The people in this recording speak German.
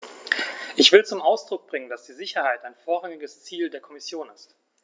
Ich will zum Ausdruck bringen, dass die Sicherheit ein vorrangiges Ziel der Kommission ist.